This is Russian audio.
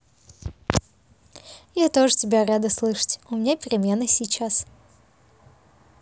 я тоже тебя рада слышать у меня перемена сейчас